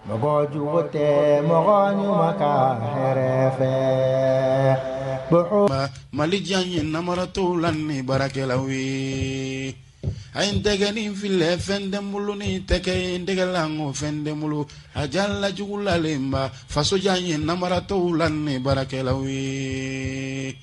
Baba jugu tɛ mɔgɔ ka yɛrɛ fɛ malijan ye naratɔ la ni baarakɛla ye a ye dɛ nin fili fɛn den bolo ni tɛ in dɛla ko fɛn den bolo a ja lajugu lalenba fasojan ye naratɔ la ni baarakɛlaw ye